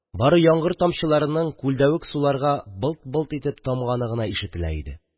Бары яңгыр тамчыларының күлдәвек суларга былт-былт итеп тамганы гына ишетелә иде.